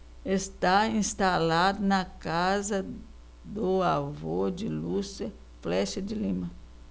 está instalado na casa do avô de lúcia flexa de lima